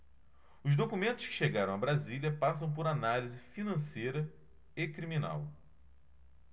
os documentos que chegaram a brasília passam por análise financeira e criminal